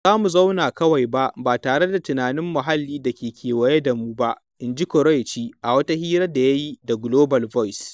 “Ba za mu zauna kawai ba tare da tunanin muhalli da ke kewaye da mu ba,” in ji Koraichi, a wata hira da ya yi da Global Voices.